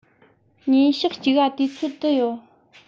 ཉིན ཞག གཅིག ག དུས ཚོད དུ ཡོད